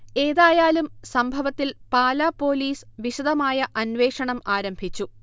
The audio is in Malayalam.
ഏതായാലും സംഭവത്തിൽ പാലാ പോലീസ് വിശദമായ അന്വേഷണം ആരംഭിച്ചു